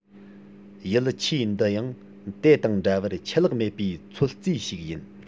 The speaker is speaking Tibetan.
ཡིད ཆེས འདི ཡང དེ དང འདྲ བར ཆད ལྷག མེད པའི ཚོད རྩིས ཤིག ཡིན